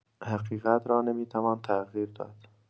حقیقت را نمی‌توان تغییر داد.